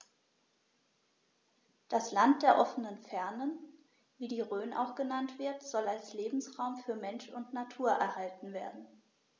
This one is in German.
Das „Land der offenen Fernen“, wie die Rhön auch genannt wird, soll als Lebensraum für Mensch und Natur erhalten werden.